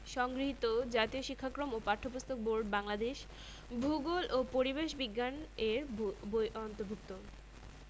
Portuguese ওলন্দাজ মুঘল পাঠান ও ইংরেজরা ভারত বর্ষকে শাসন করেছে দু'শ বছরের শাসনের পর ১৯৪৭ সালের ১৫ ই আগস্ট ভারত সাধীনতা লাভ করে